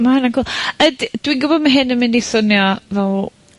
Ma' 'wnna'n cŵl. Yd-, dwi'n gwbod ma' hyn yn mynd i swnio fel